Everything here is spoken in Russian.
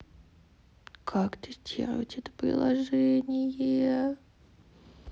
как тестировать приложение